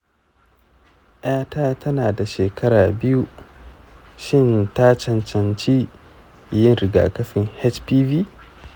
‘yata tana da shekara sha biyu; shin ta cancanci yin rigakafin hpv?